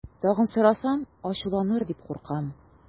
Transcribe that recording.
Тагын сорасам, ачуланыр дип куркам.